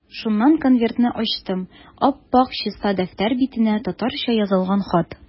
Шуннан конвертны ачтым, ап-ак чиста дәфтәр битенә татарча язылган хат.